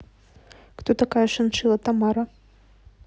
кто такая шиншилла тамара